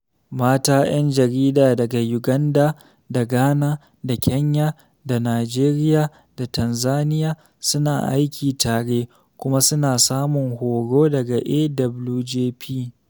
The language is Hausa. Mata 'yan jarida daga Uganda da Ghana da Kenya da Nijeriya da Tanzania suna aiki tare kuma suna samun horo daga AWJP.